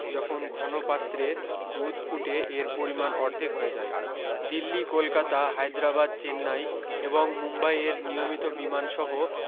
যখন ঘন পাত্রে দুধ ফুটে এর পরিমাণ অর্ধেক হয়ে যায় দিল্লী কলকাতা হায়দ্রাবাদ চেন্নাই এবং মুম্বাই এর নিয়মিত বিমানসহ